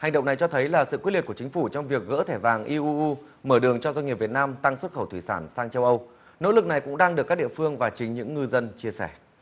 hành động này cho thấy là sự quyết liệt của chính phủ trong việc gỡ thẻ vàng y u u mở đường cho doanh nghiệp việt nam tăng xuất khẩu thủy sản sang châu âu nỗ lực này cũng đang được các địa phương và chính những ngư dân chia sẻ